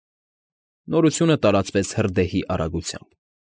Նորությունը տարածվեց հրդեհի արագությամբ։